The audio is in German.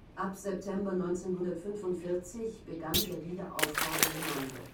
Ab September 1945 begann der Wiederaufbau der Gemeinde